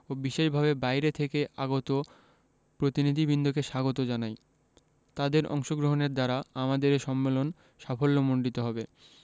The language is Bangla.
ও বিশেষভাবে বাইরে থেকে আগত প্রতিনিধিবৃন্দকে স্বাগত জানাই তাদের অংশগ্রহণের দ্বারা আমাদের এ সম্মেলন সাফল্যমণ্ডিত হবে